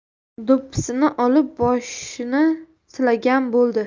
do'ppisini olib boshini silagan bo'ldi